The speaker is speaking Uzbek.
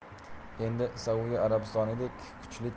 endi saudiya arabistonidek kuchli